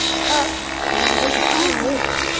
ơ bà làm rơi chìa khóa rồi này